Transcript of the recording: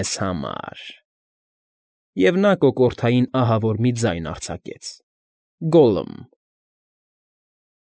Մեզ֊զ֊զ համար… Եվ նա կոկորդային ահավոր մի ձայն արձակեց. «Գոլլմ»։